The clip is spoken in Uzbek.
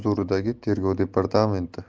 huzuridagi tergov departamenti